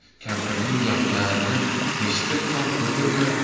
kampirning gaplarini eshitib ham o'tirmay